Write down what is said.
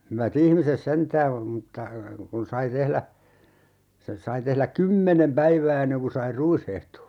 hyvät ihmiset sentään mutta kun sai tehdä sen sai tehdä kymmenen päivää ennen kuin sai ruishehdon